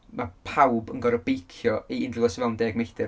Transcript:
mae pawb yn gorfod beicio i unrhyw le sy o fewn deg milltir.